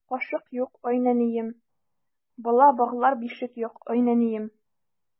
Кашык юк, ай нәнием, Бала баглар бишек юк, ай нәнием.